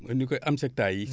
ni ko amsecta yi